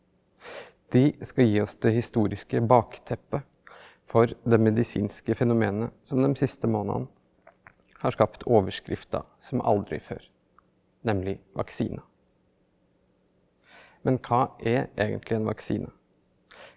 de skal gi oss det historiske bakteppet for det medisinske fenomenet som dem siste månedene har skapt overskrifter som aldri før, nemlig vaksinen, men hva er egentlig en vaksine?